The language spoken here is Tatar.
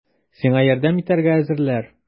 Сиңа ярдәм итәргә әзерләр!